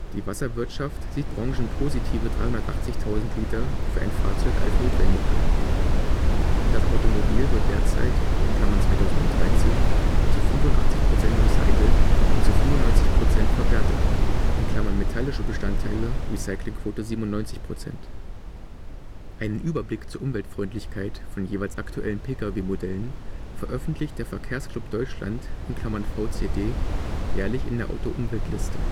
Die Wasserwirtschaft sieht branchenpositive 380.000 l für ein Fahrzeug als notwendig an. Das Automobil wird derzeit (2013) zu 85 Prozent recycelt und zu 95 Prozent verwertet (metallische Bestandteile: Recyclingquote 97 Prozent). Einen Überblick zur Umweltfreundlichkeit von jeweils aktuellen Pkw-Modellen veröffentlicht der Verkehrsclub Deutschland (VCD) jährlich in der Auto-Umweltliste